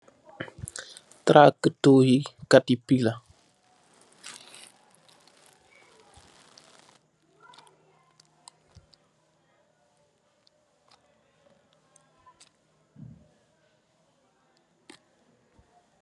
Tracktoohi kati pillah.